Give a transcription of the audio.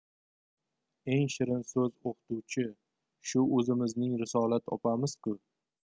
eng shirinso'z o'qituvchi shu o'zimizning risolat opamiz ku